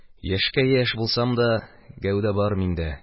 Яшькә яшь булсам да, гәүдә бар миндә.